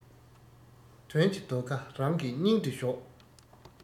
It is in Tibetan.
དོན གྱི རྡོ ཁ རང གི སྙིང དུ ཞོག